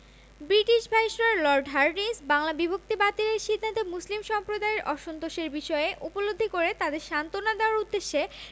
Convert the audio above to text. British viceroy Lord Hardinge Bangla বিভক্তি বাতিলের সিদ্ধান্তে মুসলিম সম্প্রদায়ের অসন্তোষের বিষয় উপলব্ধি করে তাদের সান্ত্বনা দেওয়ার উদ্দেশ্যে